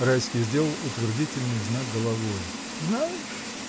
Райский сделал утвердительный знак головой. — Знаешь?